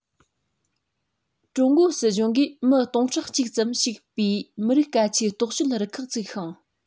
ཀྲུང གོའི སྲིད གཞུང གིས མི སྟོང ཕྲག གཅིག ཙམ ཞུགས པའི མི རིགས སྐད ཆའི རྟོག དཔྱོད རུ ཁག བཙུགས ཤིང